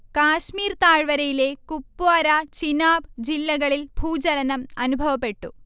കാശ്മീർ താഴ്വരയിലെ കുപ്വാര, ചിനാബ് ജില്ലകളിൽ ഭൂചലനം അനുഭവപ്പെട്ടു